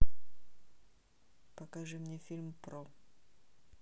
покажи мне фильм про